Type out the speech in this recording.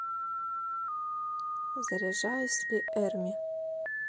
заряжаюсь ли эрми